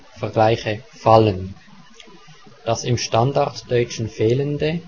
vergleiche " fallen "=[' fål:ɘn] das (im Standarddeutschen fehlende